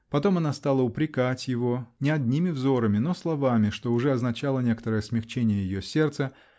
потом она стала упрекать его -- не одними взорами, но словами, что уже означало некоторое смягчение ее сердца